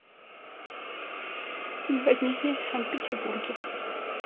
наводнение в санкт петербурге